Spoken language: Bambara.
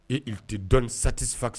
Eee tɛ dɔni sati